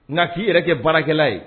Nafin i yɛrɛ kɛ baarakɛla ye